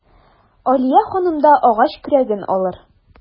Алия ханым да агач көрәген алыр.